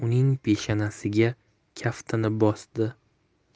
uning peshanasiga kaftini bosdi